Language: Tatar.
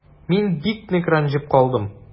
Мин бик нык рәнҗеп калдым.